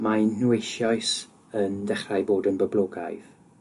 Mae nhw eisoes yn dechrau bod yn boblogaidd